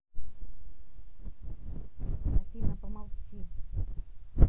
афина помолчи